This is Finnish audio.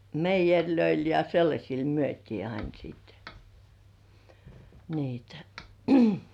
meijereille ja sellaisille myytiin aina sitten niitä